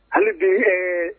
Hali